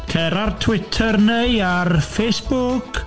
Cer ar Twitter neu ar Facebook.